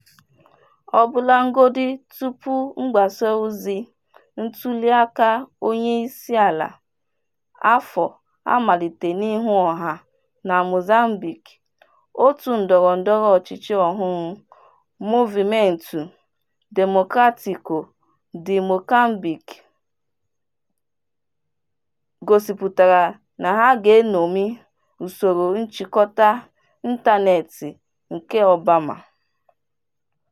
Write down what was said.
Ọbụlagodi tupu mgbasaozi ntuliaka onyeisiala afọ a amalite n'ihu ọha na Mozambique, otu ndọrọndọrọ ọchịchị ọhụrụ Movimento Democrático de Moçambique (Democratic Movement of Mozambique, or MDM) gosipụtara na ha ga-eṅomi usoro nchịkọta ịntaneetị nke "Obama".